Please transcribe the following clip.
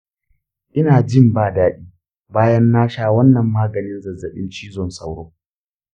ina jin ba daɗi bayan na sha wannan maganin zazzabin cizon sauro.